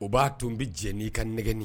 O b'a tun n bɛ jɛ' i ka nɛgɛeni